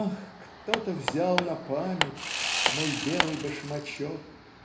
Ах, кто-то взял на память Мой белый башмачок.